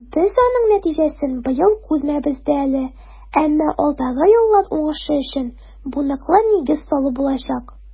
Без аның нәтиҗәсен быел күрмәбез дә әле, әмма алдагы еллар уңышы өчен бу ныклы нигез салу булачак.